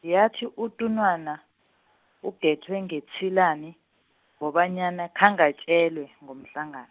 yathi utunwana, uGethwe ngetshilani, ngobanyana khange atjelwe ngomhlanga-.